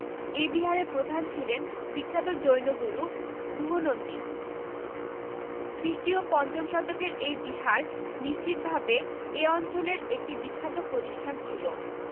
এই বিহারের প্রধান ছিলেন বিখ্যাত জৈন গুরু গুহনন্দী খ্রিস্টীয় ৫ম শতকের এই বিহার নিশ্চিতভাবে এ অঞ্চলের একটি বিখ্যাত প্রতিষ্ঠান ছিল